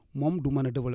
moom du mën a développer